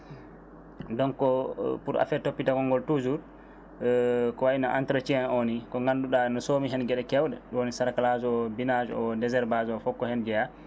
donc pour affaire toppitagol ngol toujours ko wayno entretien o ni ko gannduɗa ne soomi heen geeɗa kaewɗe ɗum woni cerclage o binage désherbage o foof ko heen jeeya